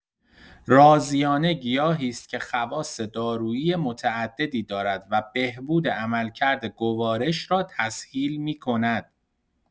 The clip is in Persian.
رازیانه گیاهی است که خواص دارویی متعددی دارد و بهبود عملکرد گوارش را تسهیل می‌کند.